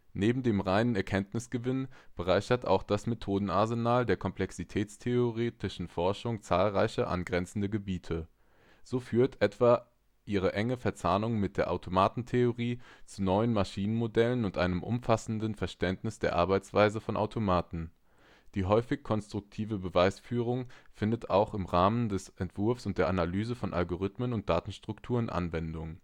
Neben dem reinen Erkenntnisgewinn bereichert auch das Methodenarsenal der komplexitätstheoretischen Forschung zahlreiche angrenzende Gebiete. So führt etwa ihre enge Verzahnung mit der Automatentheorie zu neuen Maschinenmodellen und einem umfassenderen Verständnis der Arbeitsweise von Automaten. Die häufig konstruktive Beweisführung findet auch im Rahmen des Entwurfs und der Analyse von Algorithmen und Datenstrukturen Anwendung